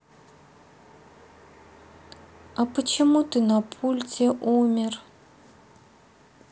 а почему ты на пульте умер